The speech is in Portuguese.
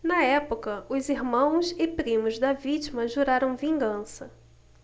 na época os irmãos e primos da vítima juraram vingança